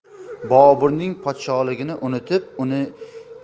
boburning podshohligini unutib uni